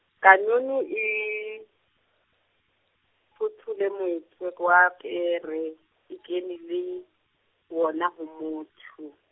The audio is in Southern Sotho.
kanono e, fothole moetse wa pere e kene le wona ho motho.